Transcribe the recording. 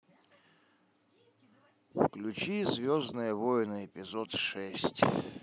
включи звездные войны эпизод шесть